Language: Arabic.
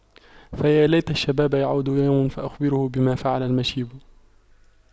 فيا ليت الشباب يعود يوما فأخبره بما فعل المشيب